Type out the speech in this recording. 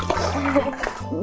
cái